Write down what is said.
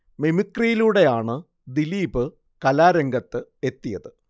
മിമിക്രിയിലൂടെയാണ് ദിലീപ് കലാരംഗത്ത് എത്തിയത്